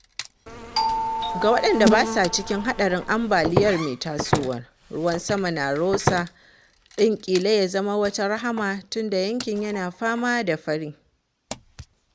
Ga waɗanda ba sa cikin haɗarin ambaliyar mai tasowar, ruwan saman na Rosa ɗin ƙila ya zama wata rahama tun da yankin yana fama da fari.